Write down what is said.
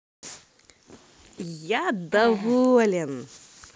я доволен